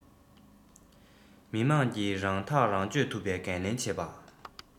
མི དམངས ཀྱིས རང ཐག རང གཅོད ཐུབ པའི འགན ལེན བྱེད པ